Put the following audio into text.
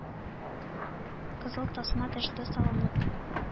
Кызыл тасма төште салынып.